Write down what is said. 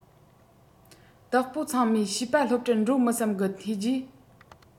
བདག པོ ཚང མས བྱིས པ སློབ གྲྭར འགྲོ མི བསམ གི ཐོས རྗེས